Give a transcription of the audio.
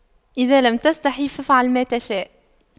اذا لم تستحي فأفعل ما تشاء